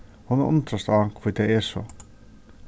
hon undrast á hví tað er so